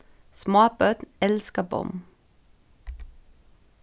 smábørn elska bomm